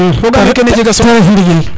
axa te ref ndigil